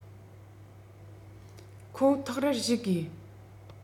ཁོ ཐག རར ཞུགས དགོས